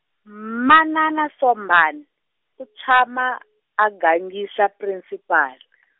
manana Sombana, u tshama, a gangisa prinsipala.